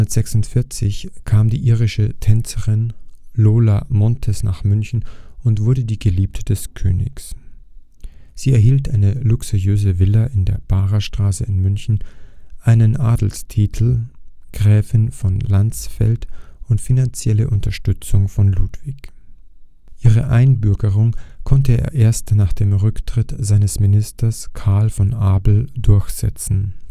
1846 kam die irische Tänzerin Lola Montez nach München und wurde die Geliebte des Königs. Sie erhielt eine luxuriöse Villa in der Barer Straße in München, einen Adelstitel (Gräfin von Landsfeld) und finanzielle Unterstützung von Ludwig. Ihre Einbürgerung konnte er erst nach dem Rücktritt seines Ministers Karl von Abel durchsetzen